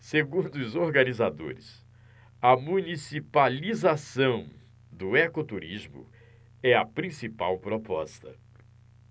segundo os organizadores a municipalização do ecoturismo é a principal proposta